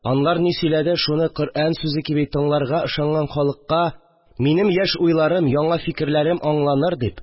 Анлар ни сөйләде шуны коръән сүзе кеби тыңларга ышанган халыкка минем яшь уйларым, яңа фикерләрем аңланыр дип